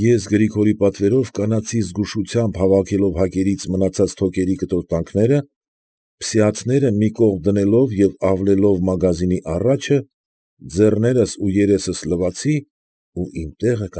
Ես Գրիգորի պատվերով կանացի զգուշությամբ հավաքելով հակերից մնացած թոկերի կտորտանքը, փսիաթները մի կողմ դնելով և ավլելով մագազինի առաջը, ձեռներս ու երեսս լվացի ու իմ տեղը։